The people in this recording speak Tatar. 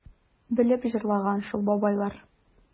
Белеп җырлаган шул бабайлар...